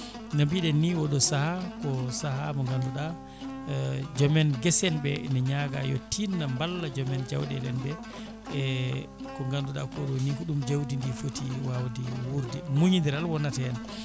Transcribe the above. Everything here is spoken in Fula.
no mbiɗen ni oɗo saaha ko saaha mo ganduɗa joom en guese en ɓe ene ñaaga yo tinno balla joomen jawɗele en ɓe e ko ganduɗa ko ɗo ni ko ɗum jawdi ndi footi wawde wuurde muñodiral wonat hen tan